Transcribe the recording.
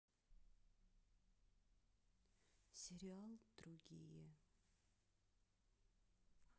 сериал другие